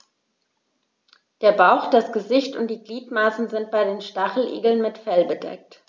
Der Bauch, das Gesicht und die Gliedmaßen sind bei den Stacheligeln mit Fell bedeckt.